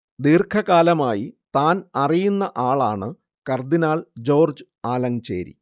ദീർഘകാലമായി താൻ അറിയുന്ന ആളാണ് കർദിനാൾ ജോർജ്ജ് ആലഞ്ചേരി